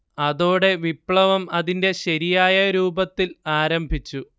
അതോടെ വിപ്ലവം അതിന്റെ ശരിയായ രൂപത്തിൽ ആരംഭിച്ചു